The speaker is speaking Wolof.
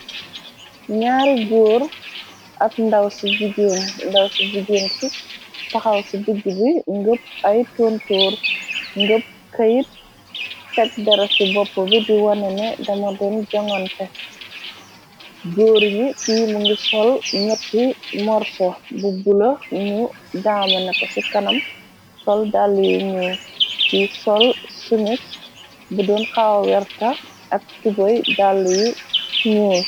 Naari góor ak ndaw ci jigeen ci taxaw ci digg bi ngëb ay tontoor ngëb këyit teg dara ci bopp bi di wane ne dama doon joŋante góor ñi ki mu ngi sol ñotti morso bu bulë ñu daame na ko ci kanam sol dàll yu ñu ki sol sumit bu doon xaaw werta ak tubey dàll yu ñuul.